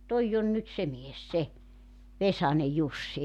tuo on nyt se mies se Vesanen Jussi